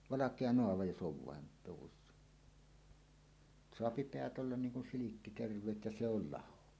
valkea naava jos on vain luvussa saa päät olla niin kun silkki terveet ja se on laho